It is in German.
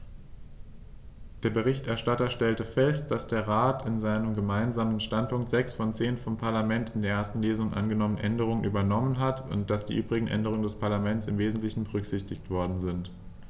Der Berichterstatter stellte fest, dass der Rat in seinem Gemeinsamen Standpunkt sechs der zehn vom Parlament in der ersten Lesung angenommenen Änderungen übernommen hat und dass die übrigen Änderungen des Parlaments im wesentlichen berücksichtigt worden sind.